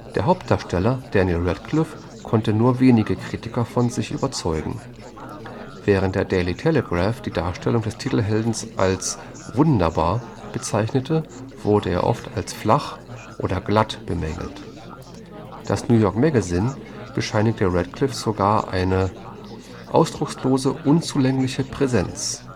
Der Hauptdarsteller Daniel Radcliffe konnte nur wenige Kritiker von sich überzeugen. Während der Daily Telegraph die Darstellung des Titelhelden als wunderbar bezeichnete, wurde sie oft als „ flach “oder „ glatt “bemängelt, das New York Magazine bescheinigte Radcliffe sogar eine ausdruckslose, unzulängliche Präsenz